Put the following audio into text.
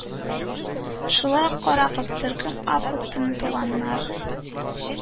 Шулай ук карагыз: Төркем: август көнне туганнар